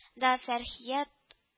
Да фәрхия